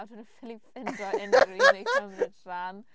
Ac oeddwn nhw ffili ffeindio unrhyw un i gymryd rhan.